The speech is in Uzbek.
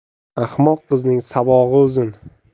ahmoq qizning sabog'i uzun